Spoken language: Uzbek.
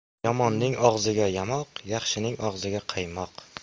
yomonning og'ziga yamoq yaxshining og'ziga qaymoq